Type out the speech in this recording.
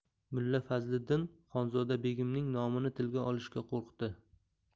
mulla fazliddin xonzoda begimning nomini tilga olishga qo'rqdi